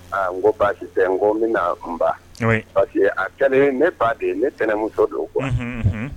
N ko baasi tɛ n ko bɛna n ba pa a kɛlen ne fa de ye ne tɛnɛnmuso don kuwa